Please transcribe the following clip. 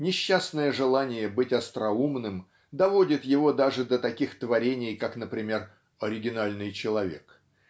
Несчастное желание быть остроумным доводит его даже до таких творений как например "Оригинальный человек"